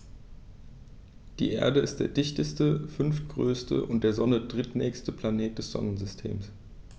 Die Erde ist der dichteste, fünftgrößte und der Sonne drittnächste Planet des Sonnensystems.